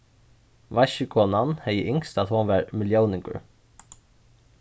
vaskikonan hevði ynskt at hon var millióningur